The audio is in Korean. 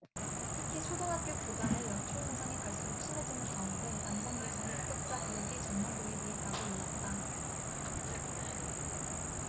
특히 초등학교 교단의 여초 현상이 갈수록 심해지는 가운데 남성 교사의 합격자 비율이 전년도에 비해 다소 올랐다